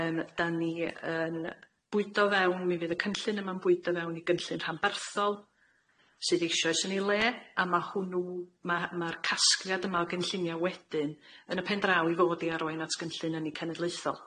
Yym da ni yn bwydo fewn, mi fydd y cynllun yma'n bwydo fewn i gynllun rhanbarthol sydd eisoes yn ei le a ma' hwnnw ma' ma'r casgliad yma o gynllunia wedyn yn y pen draw i fod i arwain at gynllun ynni cenedlaethol.